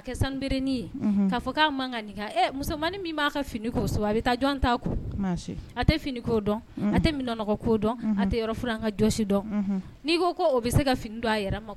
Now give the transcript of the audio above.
Musoman min b'a fini ko a bɛ taa jɔn ta a tɛ fini ko dɔn a tɛ minɔgɔ ko dɔn a tɛ yɔrɔf an kasi dɔn n'i ko ko bɛ se ka fini don a yɛrɛ